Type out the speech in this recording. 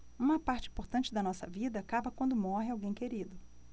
uma parte importante da nossa vida acaba quando morre alguém querido